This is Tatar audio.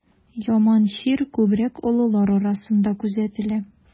Яман чир күбрәк олылар арасында күзәтелә.